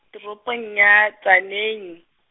toropong ya, Tzaneen.